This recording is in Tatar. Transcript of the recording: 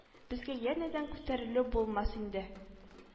Безгә янәдән күтәрелү булмас инде